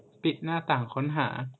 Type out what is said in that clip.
ปิดหน้าต่างค้นหา